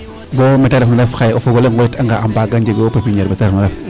bo meete reef na xaye o fogole ngoyit anga a mbaaga njegoyo pepiniere meete refna ref